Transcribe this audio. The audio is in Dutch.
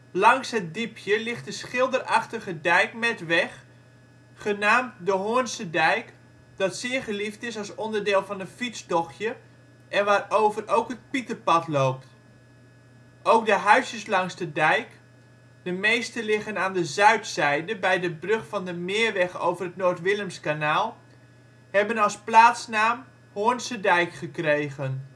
Langs het diepje ligt de schilderachtige dijk met weg, genaamd de Hoornsedijk, dat zeer geliefd is als onderdeel van een fietstochtje en waarover ook het Pieterpad loopt. Ook de huisjes langs de dijk — de meeste liggen aan de zuidzijde bij de brug van de Meerweg over het Noord-Willemskanaal — hebben als plaatsnaam Hoornsedijk gekregen